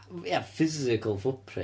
Ia physical footprint.